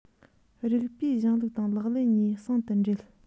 རིགས པའི གཞུང ལུགས དང ལག ལེན གཉིས ཟུང དུ འབྲེལ